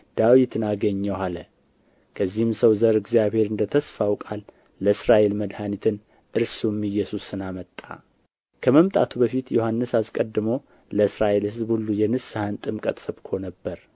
ዳዊትን አገኘሁ አለ ከዚህም ሰው ዘር እግዚአብሔር እንደ ተስፋው ቃል ለእስራኤል መድኃኒትን እርሱም ኢየሱስን አመጣ ከመምጣቱ በፊት ዮሐንስ አስቀድሞ ለእስራኤል ሕዝብ ሁሉ የንስሐን ጥምቀት ሰብኮ ነበር